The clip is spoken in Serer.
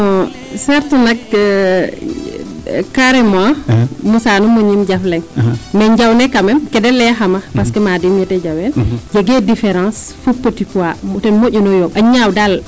Bon certe nak carrement mosaanum o ñim jaf leŋ mais njawne quand meme keede layaxama parce que maadiim yeete jawel jegee différence fo petit pois ten moƴuno yooɓ a ñaaw daal.